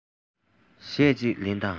གཞས གཅིག ལེན དང